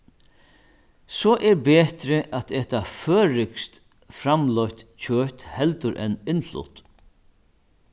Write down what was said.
so er betri at eta føroyskt framleitt kjøt heldur enn innflutt